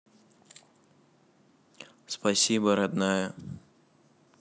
спасибо родная